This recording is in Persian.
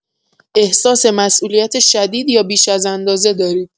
احساس مسئولیت شدید یا بیش ازاندازه دارید.